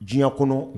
Diɲɛ kɔnɔ